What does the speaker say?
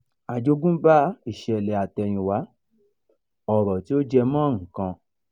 Àjogúnbá Ìṣẹ̀lẹ̀ Àtẹ̀yìnwá —ọ̀rọ̀ tí ò jẹ́ mọ́ nǹkan